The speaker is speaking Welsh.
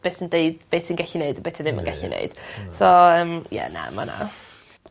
be' sy'n deud be' ti'n gellu neud a be' ti ddim yn gallu neud. So yym ie na ma' 'na.